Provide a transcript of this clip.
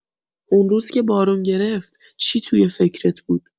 اون روز که بارون گرفت، چی توی فکرت بود؟